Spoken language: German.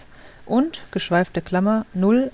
und {01 1 ¯ 1 {\ displaystyle 01 {\ bar {1}} 1}}